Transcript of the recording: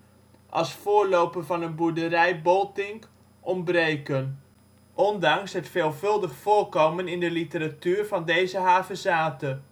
als voorloper van de boerderij Booltink ontbreken, ondanks het veelvuldig voorkomen in de literatuur van deze havezathe